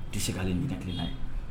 I tɛ se k'ale ɲɛtila ye